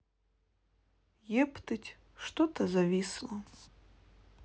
ептыть что то зависло